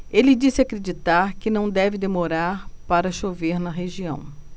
ele disse acreditar que não deve demorar para chover na região